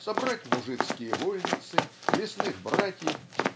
собрать мужицкие вольницы лесных братьев